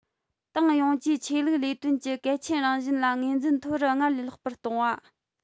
ཏང ཡོངས ཀྱིས ཆོས ལུགས ལས དོན གྱི གལ ཆེན རང བཞིན ལ ངོས འཛིན མཐོ རུ སྔར ལས ལྷག པར གཏོང བ